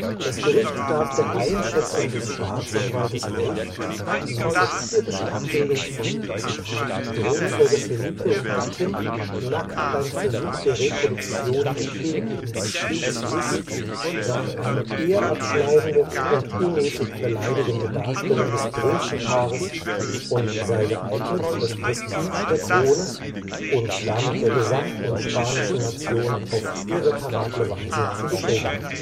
Das Gericht gab der Einschätzung des Staatsanwaltes Recht, die satirische Abbildung von „ Thronfolger Felipe und Gattin nackt beim Versuch der Reproduktion der königlichen Spezies “sei eine „ ehrabschneidende und unnötig beleidigende Darstellung des Prinzenpaares “und „ sei geeignet, das Prestige der Krone und damit der gesamten spanischen Nation auf irreparable Weise zu beschädigen